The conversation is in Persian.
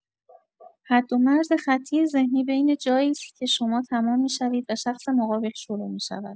حدومرز خطی ذهنی بین جایی است که شما تمام می‌شوید و شخص مقابل شروع می‌شود.